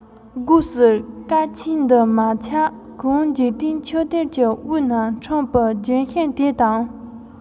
སྒོས སུ སྐལ ཆེན འདི མ ཆགས གོང འཇིག རྟེན ཆུ གཏེར གྱི དབུས ན འཁྲུངས པའི ལྗོན ཤིང དེ དང